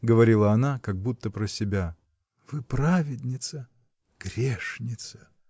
— говорила она, как будто про себя. — Вы праведница! — Грешница!